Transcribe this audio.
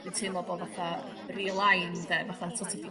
Dwi'n teimlo bo fatha re-aligned 'de fatha'n so't of 'di...